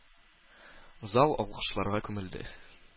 Зал алкышларга күмелде.